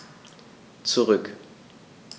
Zurück.